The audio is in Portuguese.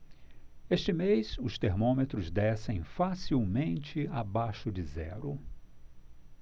este mês os termômetros descem facilmente abaixo de zero